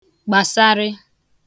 gbàsarị